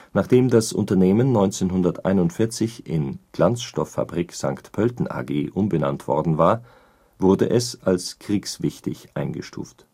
Nachdem das Unternehmen 1941 in Glanzstoff-Fabrik St. Pölten AG umbenannt worden war, wurde es als kriegswichtig eingestuft